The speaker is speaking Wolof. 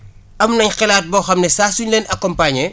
am nañ xalaat boo xam ne saa suñ leen accompagne